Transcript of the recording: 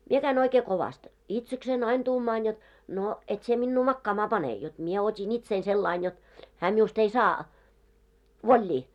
minä kävin oikein kovasti itsekseni aina tuumaan jotta no et sinä minua makaamaan pane jotta minä otin itseni sillä lailla jotta hän minusta ei saa vollia